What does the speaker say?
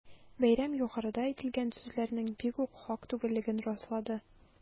Бәйрәм югарыда әйтелгән сүзләрнең бигүк хак түгеллеген раслады.